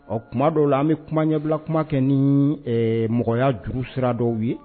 Ɔ tuma dɔw la an bɛ kuma ɲɛbila kuma kɛ ni mɔgɔya juru sira dɔw ye